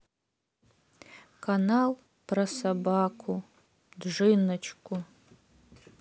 канал про собаку джиночку